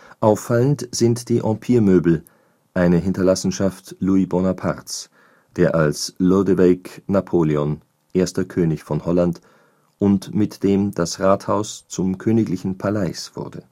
Auffallend sind die Empiremöbel, eine Hinterlassenschaft Louis Bonapartes, der als „ Lodewijk Napoleon “erster König von Holland und mit dem das Rathaus zum königlichen Paleis wurde